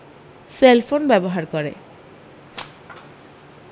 cellphone ব্যবহার করে